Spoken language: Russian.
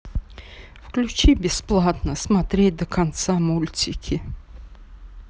включи бесплатно смотреть до конца мультики